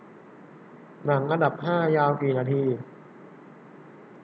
หนังอันดับห้ายาวกี่นาที